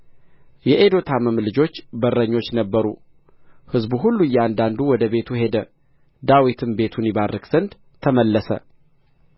የኤዶታምም ልጆች በረኞች ነበሩ ሕዝቡ ሁሉ እያንዳንዱ ወደ ቤቱ ሄደ ዳዊትም ቤቱን ይባርክ ዘንድ ተመለሰ